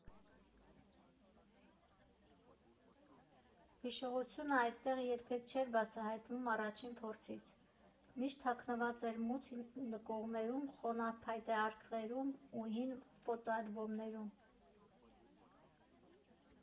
Հիշողությունը այստեղ երբեք չէր բացահայտվում առաջին փորձից, միշտ թաքնված էր մութ նկուղներում, խոնավ փայտե արկղերում ու հին ֆոտոալբոմներում։